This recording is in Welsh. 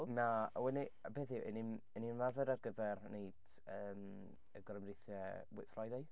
Na o'n i...Y peth yw 'y ni'n... 'y ni'n ymarfer ar gyfer wneud yym y gorymdeithiau Whit Friday.